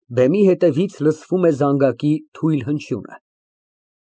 Բեմի հետևից լսվում է զանգակի թույլ հնչյունը)։